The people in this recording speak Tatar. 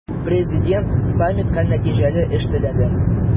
Президент саммитка нәтиҗәле эш теләде.